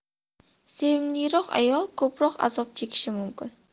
sevimliroq ayol ko'proq azob chekishi mumkin